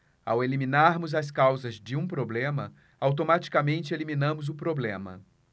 ao eliminarmos as causas de um problema automaticamente eliminamos o problema